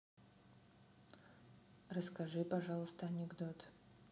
расскажи пожалуйста анекдот